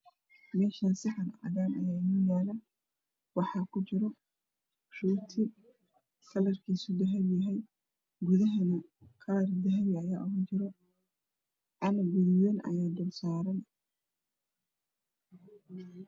Meshan waxa yaalo saxan cagaar ah waxa ku jiro rooti kalakiisa yahay dahabi gudaha neh iga jiro dahabi calan gaduudan ayaa korsaran